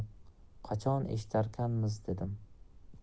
qachon eshitarkinmiz dedim